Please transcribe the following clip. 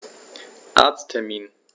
Arzttermin